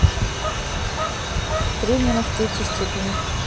три в минус третьей степени